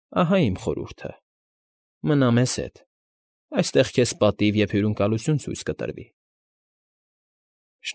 Ահա իմ խորհուրդը, մնա մեզ հետ, այստեղ քեզ պատիվ և հյուրընկալություն ցույց կտրվի։ ֊